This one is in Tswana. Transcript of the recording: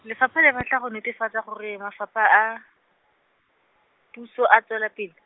lefapha le batla go netefatsa gore mafapha a, puso a tswelela pelo.